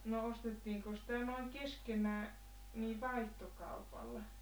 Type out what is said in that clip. no ostettiinko sitä noin keskenään niin vaihtokaupalla